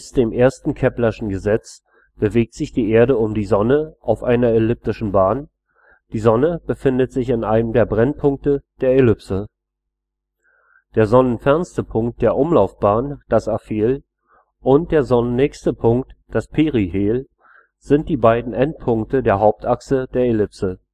dem ersten keplerschen Gesetz bewegt sich die Erde um die Sonne auf einer elliptischen Bahn, die Sonne befindet sich in einem der Brennpunkte der Ellipse. Der sonnenfernste Punkt der Umlaufbahn, das Aphel, und der sonnennächste Punkt, das Perihel, sind die beiden Endpunkte der Hauptachse der Ellipse